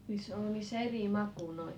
niissä onko niissä eri maku noin